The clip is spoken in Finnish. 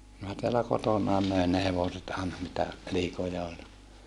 minä täällä kotonani möin ne hevoset aina mitä liikoja oli